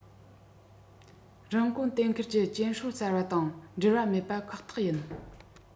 རིན གོང གཏན འཁེལ གྱི རྐྱེན སྲོལ གསར པ དང འབྲེལ བ མེད པ ཁག ཐག ཡིན